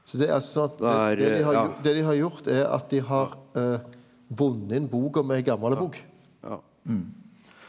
så det er altså sånn at det dei har gjort er at dei har bunde inn boka med ein gammal bok.